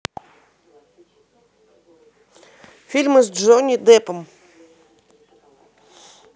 фильмы с джонни депом